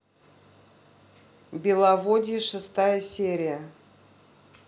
беловодье шестая серия